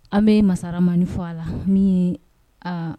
An bɛ Masa Rahamani fo Ala min ye aa